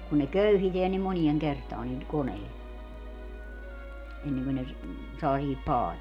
kun ne köyhitään niin moneen kertaan niillä koneilla ennen kuin ne - saa siihen paaliin